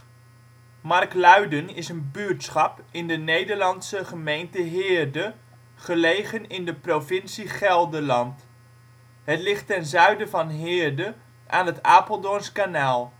buurtschap in de Nederlandse gemeente Heerde, gelegen in de provincie Gelderland. Het ligt ten zuiden van Heerde aan het Apeldoorns Kanaal